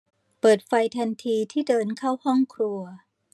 เปิดไฟทันทีที่เดินเข้าห้องครัว